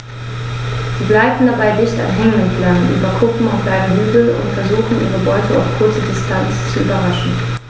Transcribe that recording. Sie gleiten dabei dicht an Hängen entlang, über Kuppen und kleine Hügel und versuchen ihre Beute auf kurze Distanz zu überraschen.